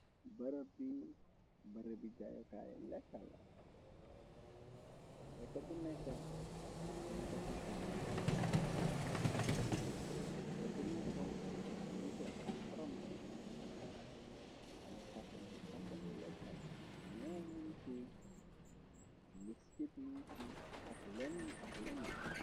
Bereb bi bereb bi jayokaay leka la, leka buneka nyu ko tek koteem, te bu nekka dafa uute ak moroman. Am fasongi fasongi lekkaay, mew ming fi, mbiskit ming fi, ak leniñ ak leneen.